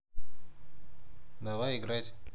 давай играть